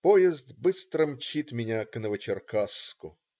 Поезд быстро мчит меня к Новочеркасску.